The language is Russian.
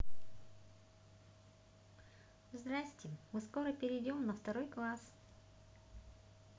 здрасьте мы скоро перейдем на второй класс